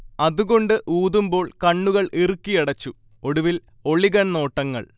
അതുകൊണ്ട് ഊതുമ്പോൾ കണ്ണുകൾ ഇറുക്കിയടച്ചു, ഒടുവിൽ ഒളികൺനോട്ടങ്ങൾ